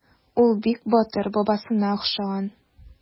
Ул бик батыр, бабасына охшаган.